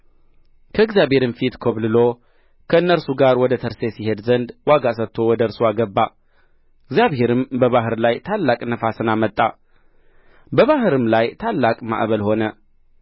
ከእግዚአብሔርም ፊት ኰብልሎ ከእነርሱ ጋር ወደ ተርሴስ ይሄድ ዘንድ ዋጋ ሰጥቶ ወደ እርስዋ ገባ እግዚአብሔርም በባሕሩ ላይ ታላቅ ነፋስን አመጣ በባሕርም ላይ ታላቅ ማዕበል ሆነ